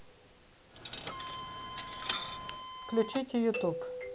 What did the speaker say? включите ютуб